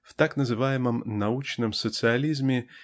в так называемом "научном социализме"